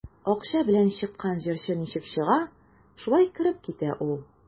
Акча белән чыккан җырчы ничек чыга, шулай кереп китә ул.